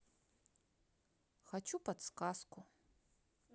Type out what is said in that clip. хочу подсказку